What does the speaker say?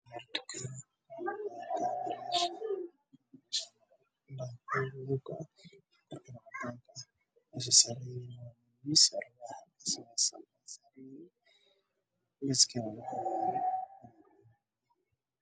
meeshaan waxaa yaala qalab casri ah oo ku jiraan kartoon cadaan ah